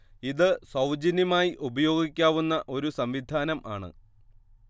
ഇത് സൗജന്യമായി ഉപയോഗിക്കാവുന്ന ഒരു സംവിധാനം ആണ്